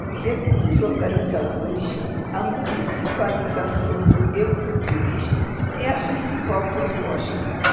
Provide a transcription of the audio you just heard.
segundo os organizadores a municipalização do ecoturismo é a principal proposta